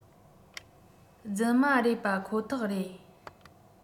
རྫུན མ རེད པ ཁོ ཐག རེད